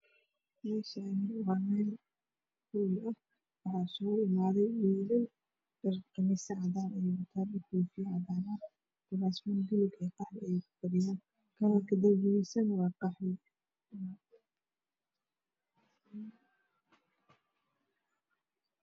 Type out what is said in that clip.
Meeshaan waa meel hool ah waxaa iskugu imaaday wiilal wato qamiisyo cadaan ah iyo koofiyo cadaan ah. kuraasman buluug iyo qaxwi ah ayay ku fadhiyaan. Kalarka darbiga waa qaxwi.